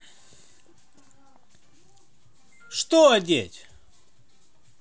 что одеть